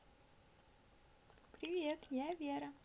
привет я вера